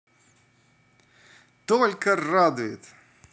только радует